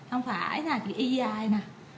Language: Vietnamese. không phải là chữ y dài nà